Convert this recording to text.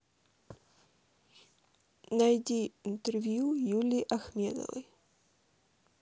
найди интервью юлии ахмедовой